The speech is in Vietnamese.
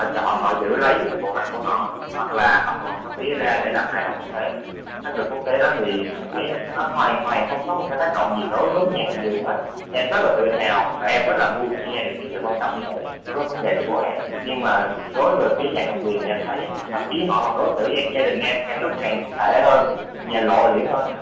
chọn họ giữ lấy cái bộ mặt của họ hoặc là nó phí ra để làm hài lòng quốc tế pháp luật quốc tế đó thì anh thấy nó hoàn toàn không có một cái tác động gì đối với nhà cầm quyền hết em rất tự hào mà em rất là vui khi nghe được sự quan tâm như vậy nó có vấn đề của bố em nhưng mà nói về phía nhạc công việc mà anh thấy thậm chí họ còn đối xử với gia đình em càng lúc càng tệ hơn và lộ liễu hơn nữa